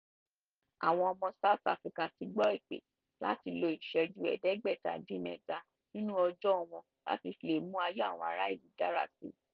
Àwọn ọmọ South Africa ti gbọ́ ìpè láti lò ìṣẹ́jú 67 nínú ọjọ́ wọn láti fi mú ayé àwọn ará ìlú dára síi.